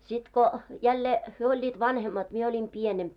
sitten kun jälleen he olivat vanhemmat minä olin pienempi